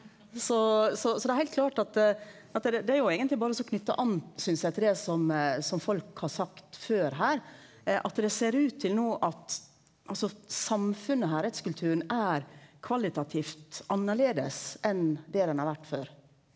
så så så det er heilt klart at at det det er jo eigentleg berre og så knytte an synest eg til det som som folk har sagt før her at det ser ut til no at altså samfunnet her rettskulturen er kvalitativt annleis enn det den har vore før.